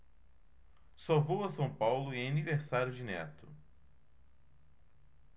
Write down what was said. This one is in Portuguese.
só vou a são paulo em aniversário de neto